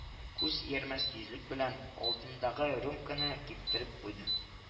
Күз иярмәс тизлек беләналдындагы рюмканы киптереп куйды